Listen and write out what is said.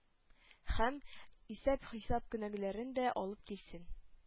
Һәм: «исәп-хисап кенәгәләрен дә алып килсен»,